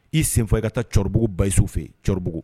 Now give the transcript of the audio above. I senfa i ka taa cbugu basiso fɛ cbugu